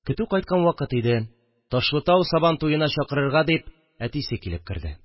Көтү кайткан вакыт иде, Ташлытау сабантуена чакырырга дип әтисе килеп керде